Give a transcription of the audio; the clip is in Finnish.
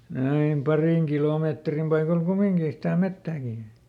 aina parin kilometrin paikoilla kumminkin sitä metsääkin